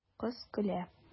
Кыз көлә.